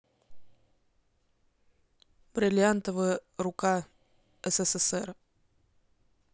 бриллиантовая рука ссср